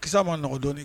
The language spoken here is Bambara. Ki kisisa maɔgɔndɔnɔnin